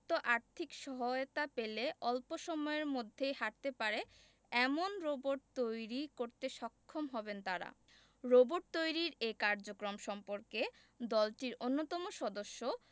আর্থিক সহায়তা পেলে অল্প সময়ের মধ্যেই হাঁটতে পারে এমন রোবট তৈরি করতে সক্ষম হবেন তারা রোবট তৈরির এ কার্যক্রম সম্পর্কে দলটির অন্যতম সদস্য